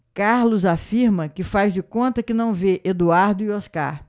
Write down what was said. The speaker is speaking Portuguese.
carlos afirma que faz de conta que não vê eduardo e oscar